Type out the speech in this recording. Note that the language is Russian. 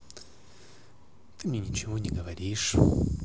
ты мне ничего не говоришь